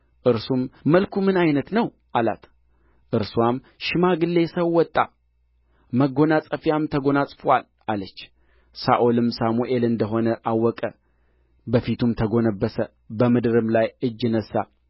እርሱም መልኩ ምን ዓይነት ነው አላት እርስዋም ሽማግሌ ሰው ወጣ መጐናጸፊያም ተጐናጽፎአል አለች ሳኦልም ሳሙኤል እንደ ሆነ አወቀ በፊቱም ተጐነበሰ በምድርም ላይ እጅ ነሣ